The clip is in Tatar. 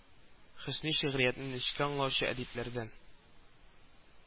Хөсни шигъриятне нечкә аңлаучы әдипләрдән